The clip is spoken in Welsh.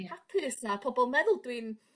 hapus a pobol meddwl dwi'n